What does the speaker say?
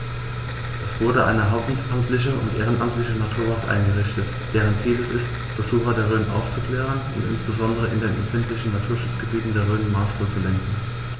Es wurde eine hauptamtliche und ehrenamtliche Naturwacht eingerichtet, deren Ziel es ist, Besucher der Rhön aufzuklären und insbesondere in den empfindlichen Naturschutzgebieten der Rhön maßvoll zu lenken.